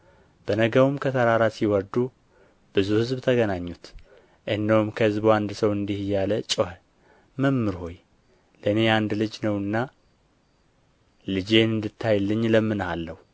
በነገውም ከተራራ ሲወርዱ ብዙ ሕዝብ ተገናኙት እነሆም ከሕዝቡ አንድ ሰው እንዲህ እያለ ጮኸ መምህር ሆይ ለእኔ አንድ ልጅ ነውና ልጄን እንድታይልኝ እለምንሃለሁ